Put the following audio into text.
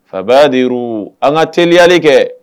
Fabaa diru an ka teliyali kɛ